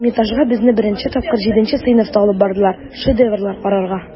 Эрмитажга безне беренче тапкыр җиденче сыйныфта алып бардылар, шедеврлар карарга.